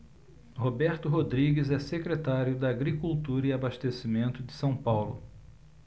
roberto rodrigues é secretário da agricultura e abastecimento de são paulo